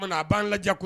A b'an lajɛjan kɔnɔ